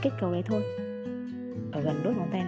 vẫn kết cấu đấy thôi ở gần đốt ngón tay nó sẽ hơi nhô ra một chút